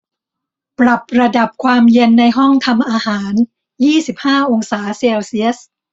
ปรับระดับความเย็นในห้องทำอาหารยี่สิบห้าองศาเซลเซียส